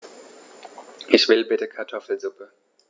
Ich will bitte Kartoffelsuppe.